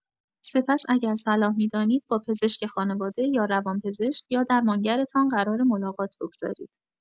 سپس اگر صلاح می‌دانید، با پزشک خانواده یا روان‌پزشک یا درمانگرتان قرار ملاقات بگذار ید.